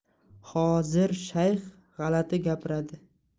hodzir shayx g'alati gapiradi